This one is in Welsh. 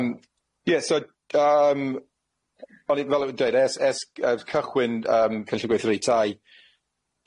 Yym ie so yym o'n i fel o'n i'n dweud ers ers cychwyn yym cynllun gweithredi tai,